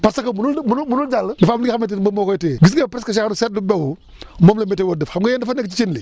parce que munul munul jàll dafa am li nga xamante ni moom moo koy téye gis ngeen presque genre seetlu boobu moom la météo di def xam nga yéen dafa nekk ci cin li